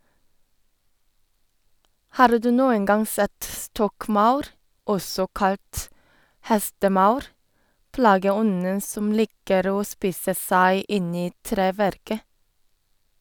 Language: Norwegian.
Har du noen gang sett stokkmaur, også kalt hestemaur, plageånden som liker å spise seg inn i treverket?